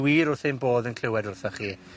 wir wrth ein bodd yn clywed wrthoch chi.